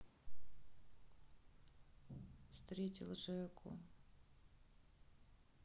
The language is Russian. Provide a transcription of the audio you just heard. встретил жеку